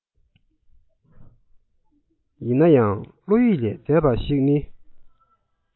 ཡིན ན ཡང བློ ཡིད ལས འདས པ ཞིག ནི